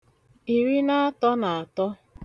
ìrì na atọ̄ nà àtọ